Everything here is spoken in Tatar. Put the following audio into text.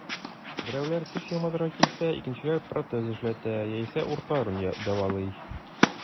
Берәүләр теш яматырга килсә, икенчеләр протез эшләтә яисә уртларын дәвалый.